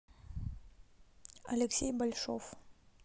алексей большов